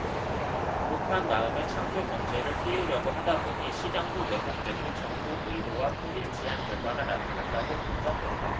급한 마음에 창조경제를 띄우려고 하다 보니 시장도 왜곡되고 정부 의도와 불일치한 결과가 나타났다고 분석했다